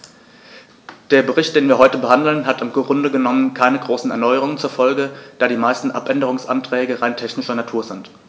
Der Bericht, den wir heute behandeln, hat im Grunde genommen keine großen Erneuerungen zur Folge, da die meisten Abänderungsanträge rein technischer Natur sind.